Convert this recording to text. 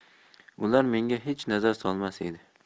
ular menga hech nazar solmas edi